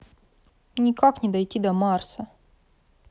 никак не дойти до марса